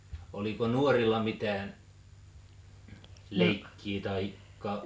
oliko nuorilla mitään leikkiä tai